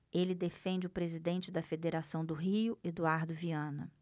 ele defende o presidente da federação do rio eduardo viana